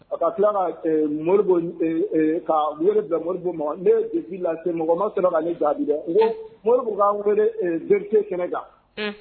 A ka tila ka mori bɛ bila mori ma nebi la mɔgɔ ma sera ka ni dabi dɛ mori k' wele berete kɛnɛ kan